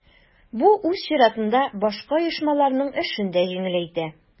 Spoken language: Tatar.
Бу үз чиратында башка оешмаларның эшен дә җиңеләйтә.